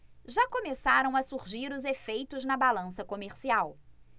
já começam a surgir os efeitos na balança comercial